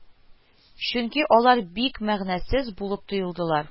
Чөнки алар бик мәгънәсез булып тоелдылар